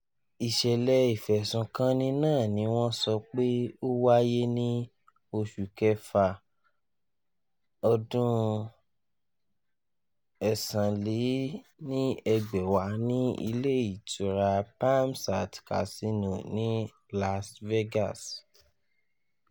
Ìṣẹ̀lẹ̀ ìfẹ́sùnkanni náà ní wọ́n sọ pé ó wáyé ní ọṣù kẹfà 2009 ní Ilé ìtura Palms àt Casino ni Las Vegas.